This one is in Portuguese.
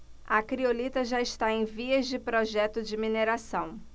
a criolita já está em vias de projeto de mineração